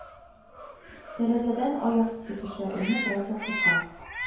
Тәрәзәдән ай яктысы төшә, өйне бераз яктырта